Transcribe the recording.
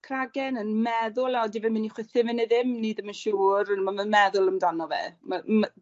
cragen yn meddwl a odi fe myn' i chwythu fe ne' ddim ni ddim yn siŵr on' wedyn ma'n meddwl amdano fe ma' ma'